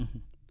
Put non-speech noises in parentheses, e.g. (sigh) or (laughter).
(hesitation) (hesitation)